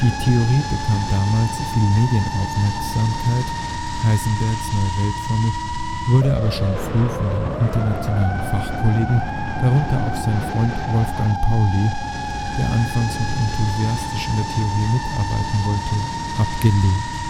Die Theorie bekam damals viel Medienaufmerksamkeit (Heisenbergs neue Weltformel), wurde aber schon früh von den internationalen Fachkollegen – darunter auch sein Freund Wolfgang Pauli, der anfangs noch enthusiastisch an der Theorie mitarbeiten wollte – abgelehnt